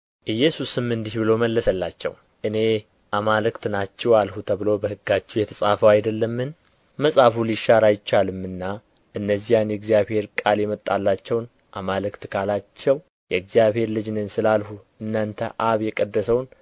ኢየሱስም እንዲህ ብሎ መለሰላቸው እኔ አማልክት ናችሁ አልሁ ተብሎ በሕጋችሁ የተጻፈ አይደለምን መጽሐፉ ሊሻር አይቻልምና እነዚያን የእግዚአብሔር ቃል የመጣላቸውን አማልክት ካላቸው የእግዚአብሔር ልጅ ነኝ ስላልሁ እናንተ አብ የቀደሰውን